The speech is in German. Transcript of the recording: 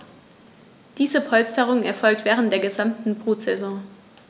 Diese Polsterung erfolgt während der gesamten Brutsaison.